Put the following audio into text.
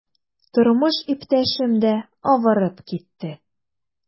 Тормыш иптәшем дә авырып китте.